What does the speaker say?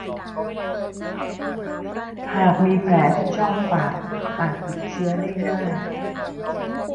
หากมีแผลที่ช่องปากอาจติดเชื้อได้ง่าย